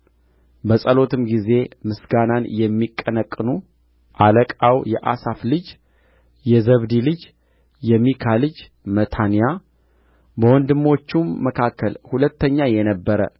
በጸሎትም ጊዜ ምስጋናን የሚቀነቅኑ አለቃው የአሳፍ ልጅ የዘብዲ ልጅ የሚካ ልጅ መታንያ በወንድሞቹም መካከል ሁለተኛ የነበረ